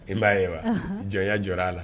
I man ye wa janya jɔr'ala.